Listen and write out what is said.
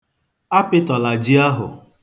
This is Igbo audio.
Apịtọla ji ahụ.